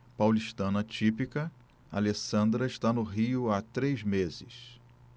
paulistana típica alessandra está no rio há três meses